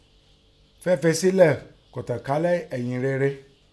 Fẹfi sẹ́lẹ̀ ko ẹ̀tànkálẹ̀ ẹ̀hìnrere.